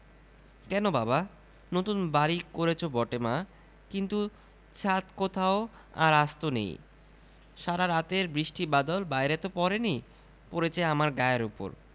কেন বাবা নতুন বাড়ি করেচ বটে মা কিন্তু ছাত কোথাও আর আস্ত নেই সারা রাতের বৃষ্টি বাদল বাইরে ত পড়েনি পড়েচে আমার গায়ের উপর